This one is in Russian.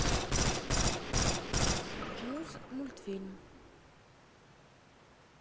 муз мультфильм